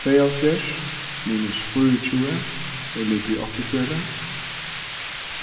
tveyoghálvfjerðs minus fýraogtjúgu er ligvið áttaogfjøruti